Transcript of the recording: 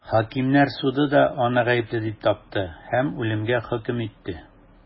Хакимнәр суды да аны гаепле дип тапты һәм үлемгә хөкем итте.